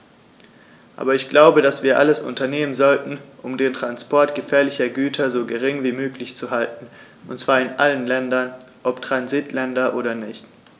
Aber ich glaube, dass wir alles unternehmen sollten, um den Transport gefährlicher Güter so gering wie möglich zu halten, und zwar in allen Ländern, ob Transitländer oder nicht.